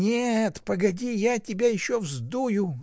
— Нет, погоди: я тебя еще вздую.